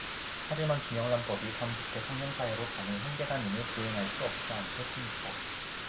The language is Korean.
하지만 김영란법이 반부패 청렴 사회로 가는 한 계단임을 부인할 수 없지 않겠습니까